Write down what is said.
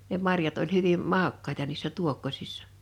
ne marjat oli hyvin maukkaita niissä tuokkosissa